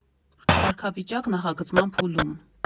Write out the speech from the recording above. Կարգավիճակ՝ Նախագծման փուլում։